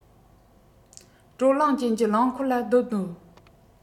དྲོད རླངས ཅན གྱི རླངས འཁོར ལ སྡོད འདོད